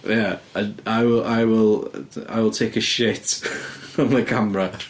Ie. I will, I will, I will take a shit on the camera.